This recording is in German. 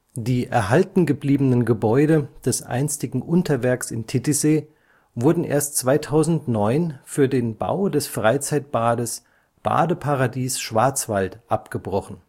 Die erhalten gebliebenen Gebäude des einstigen Unterwerks in Titisee wurden erst 2009 für den Bau des Freizeitbades Badeparadies Schwarzwald abgebrochen